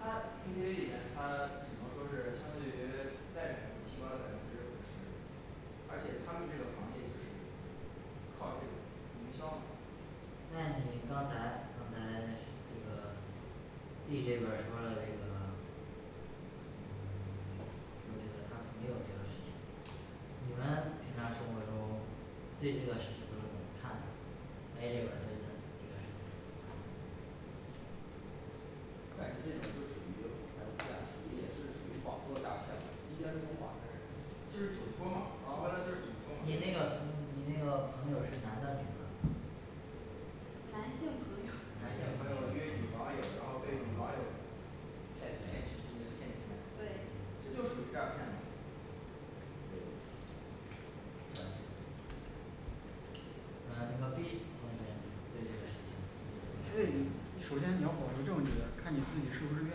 它其实K T V里面它只能说是相对于外面来说提高了百分之五十而且他们这个行业就是靠这个营销嘛那你刚才刚才这个 D这边儿说了这个嗯 说这个她朋友这个事情你们平常生活中对这个事情都怎么看A这边儿对这个事情怎么看感觉这种就属于哄抬物价，属于也是属于网络诈骗的，毕竟是从网上认就是识的酒托儿嘛啊说白了就是酒托儿嘛你那个从 你那个朋友是男的女的呢男性朋友男男性性朋朋友约女友啊网友然后被女网友骗骗钱钱那个骗钱对这就属于诈骗嘛对诈骗嗯那个B同学对这个事情有这个你什首么样先你要的保留证据看看你自己是不是愿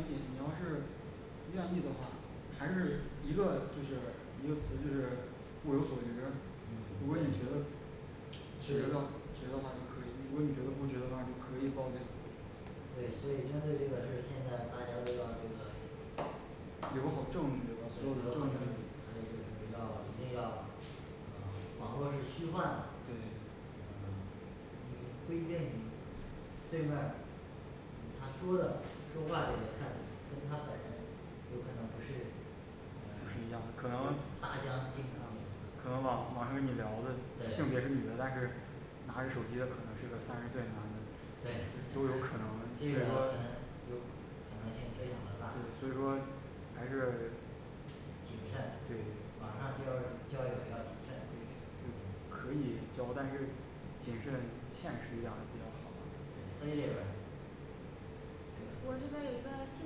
意你要是不愿意的话还是一个就是一个词就是物有所值如果嗯你觉得对觉得值的话就可以如果你觉得不值得的话就可以报警对所以针对这个事儿现在大家围绕这个留好证据对留好证据吧所有的证还据有就是要一定要，嗯 网络是虚幻的对嗯 你不一定你对面嗯她说的说话这个态度跟她本人有可能不是嗯可 能嗯大相径可能同网网上给有你聊可的性别能的女的但，是对拿着手机的可能是个三十岁男的对这都有个很可可能能，所以性说对非常的大所以说还是谨慎，对对网上交友儿交友儿要谨慎嗯可以交但是谨慎现实一点儿比较好 C这边儿我这边儿对的有一个新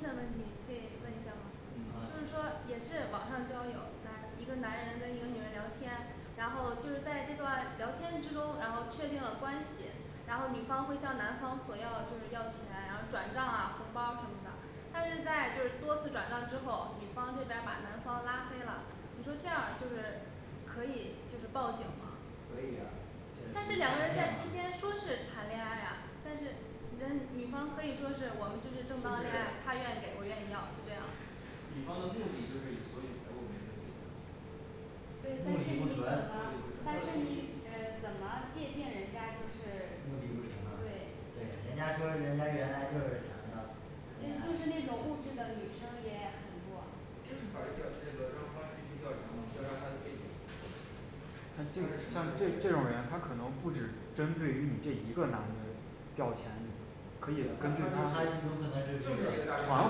的问题可以问一下儿吗嗯就是嗯说也行是网上交友跟一个男人跟一个女人聊天然后就在这段聊天之中然后确定了关系然后女方会向男方索要就是要钱，然后转账啊红包什么的。但是在就是多次转账之后，女方这边儿把男方拉黑了你说这样儿就是可以就是报警吗可以呀但是两个人在期间说是谈恋爱啊但是人女方可以说是我们这是就正当恋爱是他愿意给我愿意要就这样女方的目的就是以索取财物为目的的对但目是的不你怎么目的不纯纯他但的是动机你嗯怎么鉴定人家就是目的不纯呢对对人家说人家原来就是想要就是谈恋爱那种物质的女生也很多就是法律调那个然后关系去调查吗调查他的背景他是什么样的这这一个这种人人她可能不只针对于你这一个男的钓钱可以呀那她她就有是就可是能一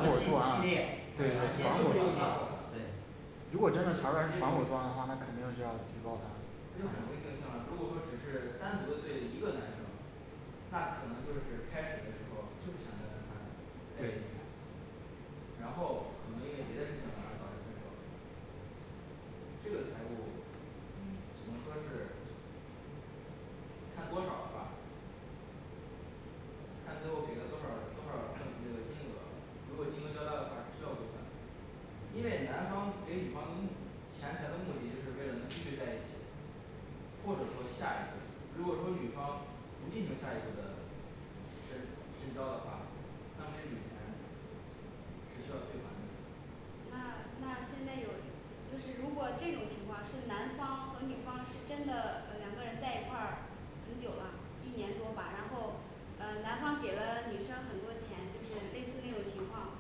个诈骗这犯个就是系一系个团列伙儿对如果真真的的查出来是团伙作案的话那肯要举报他的这就很容易定性啊如果说只是单独的对一个男生那可能就是开始的时候就是想着跟他在一起然后可能因为别的事情而导致分手这个财物嗯只能说是看多少了吧看最后给了多少多少份那个金额，如果金额较大的话是需要归还的因为嗯男方给女方的目钱财的目的就是为了能继续在一起，或者说下一步如果说女方不进行下一步的深深交的话，那么这笔钱是需要退还的那那现在有一个就是如果这种情况是男方和女方是真的两个人在一块儿了很久了一年多吧然后嗯男方给了这女生很多的钱就是类似那种情况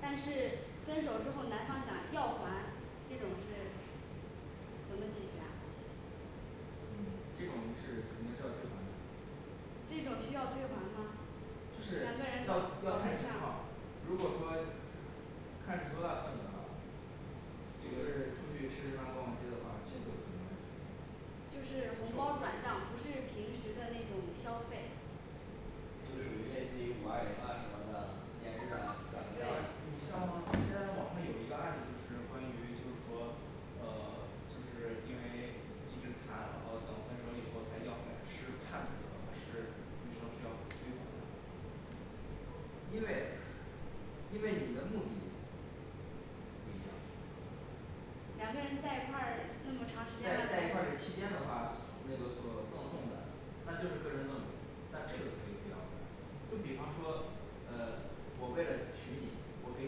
但是分手之后男方想要还这种是怎么解决啊嗯这种是肯定是要退还的这种需要退还吗就是两个人要搞要搞对看情象况如果说看是多大份额的只是出这个去吃吃饭逛个街的话这个可能就是红包转账不是平时的那种消费就属于类似于五二零啊什么的纪念日啊转个账你像现在网上有一些案例就是关于就是说呃 就是因为一直谈然后到分手以后再要回来是判处的话是进行要归还的因为因为你的目的不一样两个人在一块儿那么长时间了在还在一块儿这期间的话那个所赠送的那就是个人赠与那这个可以不要回来就比方说嗯我为了娶你我给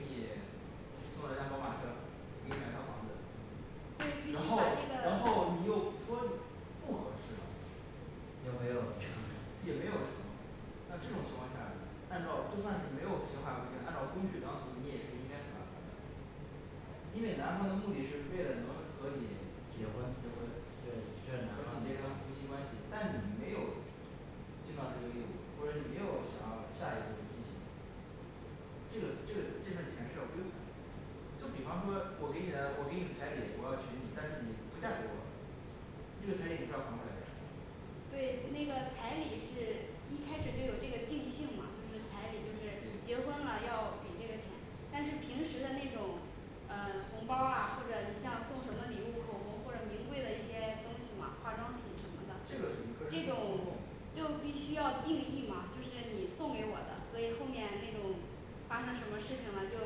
你 送了一辆宝马车给你买一套房嗯对子然必后须然把后这你又个说你 不合适了也没有成也没有成那这种情况下按照就算是没有刑法规定，按照公序良俗你也是应该返还的因为男方的目的是为了能和你结结婚婚就跟你结正成常花费夫妻关系，但你没有尽到这个义务，或者你没有想要下一步进行这个这个这份钱是要归还的就比方说我给你我给你彩礼，我要娶你，但是你不嫁给我这个彩礼也是要还回来的呀对那个彩礼彩礼是一开始就有这个定性嘛就是彩礼就是对结婚啊要给这个人钱但是平时的那种呃 红包儿啊或者你像送什么礼物口红或者名贵的一些东西嘛化妆品什么的这个属于个这人赠种赠送就必须要定义嘛就是你送给我的所以后面那种发生什么事情啦就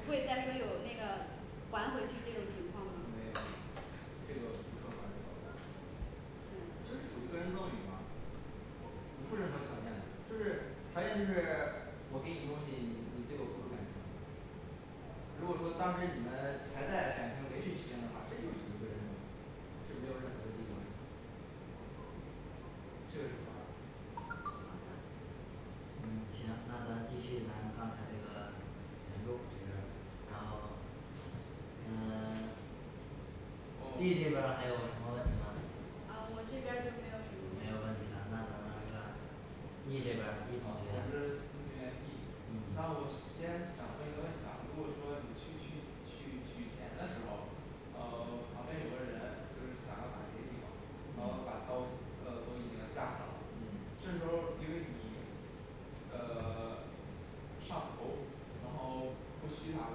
不会再说有那个还回去这种情况吗没有这个不受法律保护就是属于个人赠予嘛不附任何条件的，就是条件就是 我给你东西，你你对我付出感情，如果说当时你们还在感情维系期间的话这就属于个人赠予是没有任何的利益关系的这个是合法嗯行那咱继续咱刚才这个引入这个然后嗯 D这边儿还有什么问题吗啊没我这边儿就没有什有么问问题题了那咱们这个了 E这边儿E 我是咨询人E那同我学嗯先想问问一个问题如果说去取取取钱的时候呃 旁边有个人就是想要打劫你嘛然嗯后把刀嗯都已经架上了嗯这时候儿因为你嗯 上头然后不虚拿刀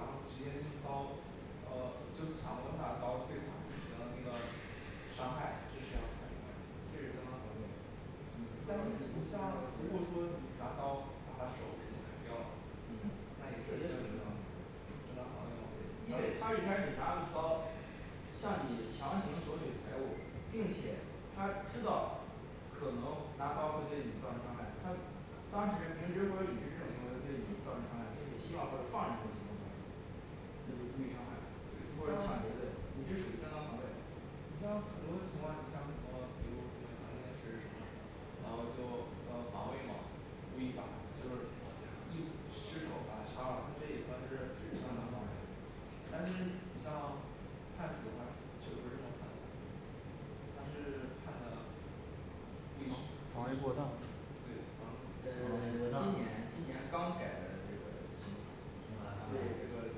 然后直接用刀呃就抢夺他的刀对他进行那个伤害这是要判什么这呀是正当防卫但是你不你负像你如果不说负你拿任刀何把责他任手什么嗯砍嗯掉了这也属那于也是正当防卫正当防卫吗&对&因为他一开始拿着刀向你强行索取财物并且他知道可能拿刀会对你造成伤害他当事人明知或者已知这种行为对你造成伤害，并且希望或者放任这种情况下那就是故意伤害对或者你抢像劫罪你这属于正当防卫。你像很多情况，你像什么比如什么抢劫时什么什么，然后就正当防卫嘛故意把就是一失手把他杀了，这也算这也算是正常的防卫但是你像判处他就不是这么判的，他是判了故意是 对防防卫卫过过当当防呃卫过 当今年今年刚改的这个刑法刑法对就这刚改个对最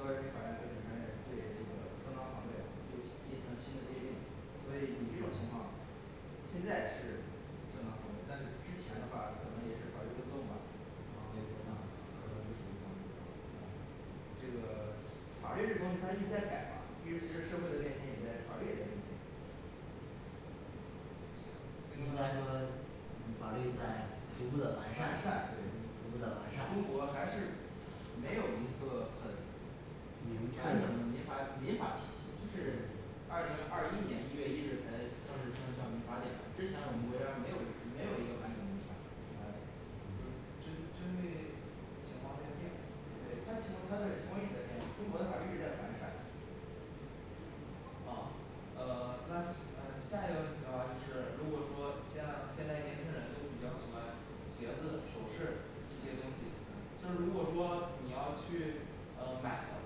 高人民法院和检察院对这个正当防卫又进行了新的界定所以你这种情况现在是正当防卫，但是之前的话可能也是法律漏洞吧防可卫能就过是防卫过当当&啊哦&这个 法律这东西它一直在改嘛一直随着社会的变迁也在法律也在变迁对行应那该个说嗯法律在逐步的完完善善逐步对的完善，中国还是没有一个很完整的民法民法体系就是二零二一年一月一日才正式生效民法典的之前我们国家没有没有一个完整的民法民法典嗯就是针针对 情况在变对它这情况它这情况一直在变嘛中国的法律一直在完善哦呃 那呃下一个问题的话，就是如果说像现在年轻人都比较喜欢鞋子首饰一些东西，嗯就是如果说你要去呃买的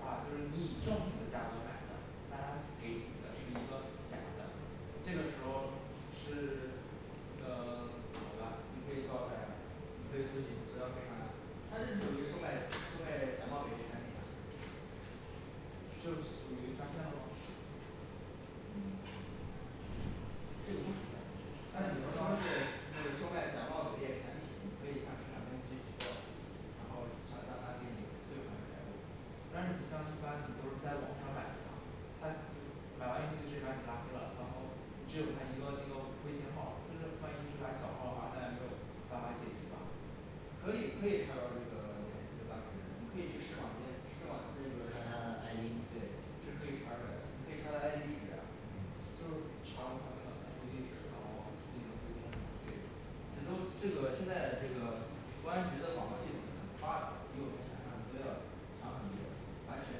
话，就是你以正品的价格买的，但他给你的是一个假的，这个时候是 呃 怎么办你可以告他呀你可以搜集索要赔偿呀，他这属于售卖售卖假冒伪劣产品啊。这属于诈骗了吗嗯这个不属于诈骗他只能说是是那个售卖假冒伪劣产品，你可以向市场监督局举报他然后向让他给你退还财物。但是你像一般你都是在网上买的嘛他买完以后就直接把你拉黑了，然后你只有他一个那个微信号，就是万一是他小号的话，那也没有办法解决是吧。可以可以查到这个联这个当事人的，你可以去视网监视网那个查他的I D 对。是可以查出来的，你可以查他的I D地址呀嗯对就是查出他那个I P地址然后进行追踪是吗这都这个现在这个公安局的网络系统是很发达的，比我们想象的都要强很多。完全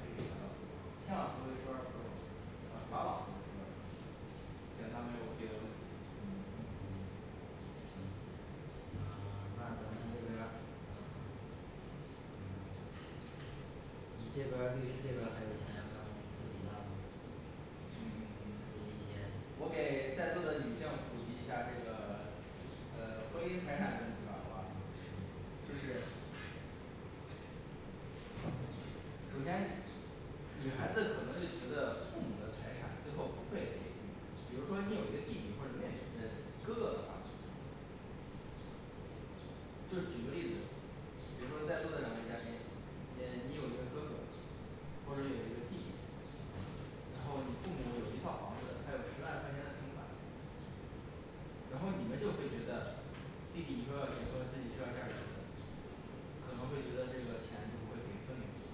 可以查到。天网恢恢疏而不漏啊法网恢恢疏而不漏行那没有别的问题嗯 了行嗯 那咱们这边儿嗯 嗯这边儿律师这边儿还有想要给我吗普及一下吗嗯 普及一些我给在座的女性普及一下儿这个呃婚姻财产的问题吧好吧就是首先女孩子可能就觉得父母的财产最后不会给自己比如说你有一个弟弟或者妹妹嗯哥哥的话就是举个例子，比如说在座的两位嘉宾嗯，你有一个哥哥或者有一个弟弟，然后你父母有一套房子，还有十万块钱的存款，然后你们就会觉得弟弟以后要结婚，自己需要嫁出去的，可能会觉得这个钱就不会给分给自己。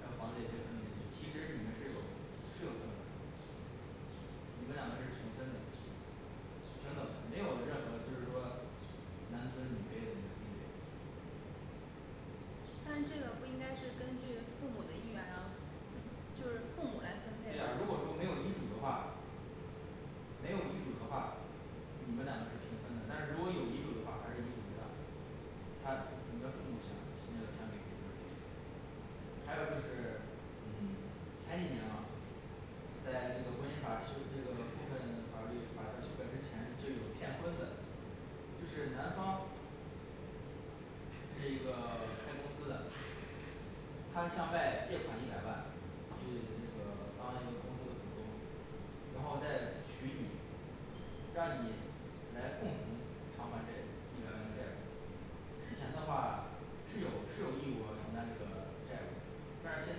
还有房子也不会分给你，其实你们是有是有份额的你们两个是平分的。平等的，没有任何就是说男尊女卑的那个地位那这个不应该是根据父母的意愿然后。 就是父母来分对配呀如果说没有遗嘱的话没有遗嘱的话，你们两个是平分的，但是如果有遗嘱的话还是遗嘱为大看你们父母想那个想给谁就是给谁还有就是嗯前几年嘛在这个婚姻法实 那个部分法律法修改之前就有骗婚的就是男方是一个 开公司的他向外借款一百万，去这个当一个公司的股东，然后再娶你让你来共同偿还这一百万的债务之前的话是有是有义务要承担这个债务的，但是现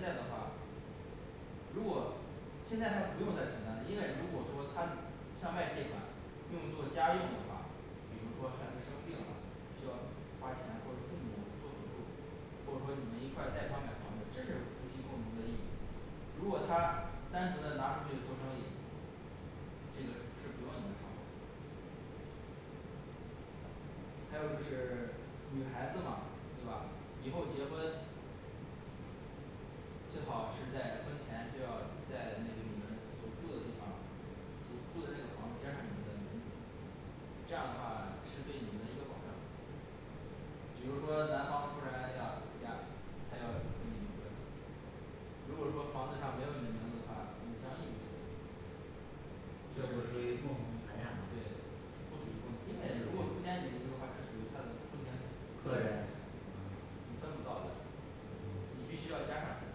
在的话如果现在他不用再承担了，因为如果说他向外借款用作家用的话，比如说孩子生病了，需要花钱或者父母做手术，或者说你们一块儿贷款买房子，这是夫妻共同的义务。如果他单纯的拿出去做生意，这个是不用你们偿还的还有就是 女孩子嘛对吧以后结婚最好是在婚前就要在那个你们所住的地方，所住的那个房子加上你们的名字这样的话是对你们一个保障。比如说男方突然要要他要跟你离婚如果说房子上没有你名字的话，你将一无所有，这不是属于共同财产吗对不属于共同？不属于因为如果不加你名字的话这属于他的婚前，个个人人，财嗯产你分不到的嗯，你必须要加上才可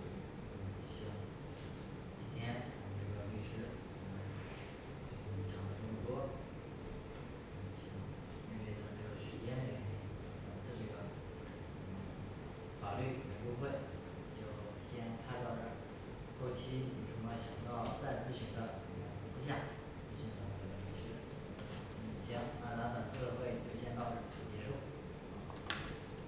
以嗯行今天咱们这个律师嗯讲了这么多，嗯行因为咱们这个时间的原因咱本次这个嗯 法律援助会就先开到这儿后期有什么想要再咨询的，咱们私下咨询咱们的律师&好的&嗯行，那咱们这个会就先到这儿此结束啊&好&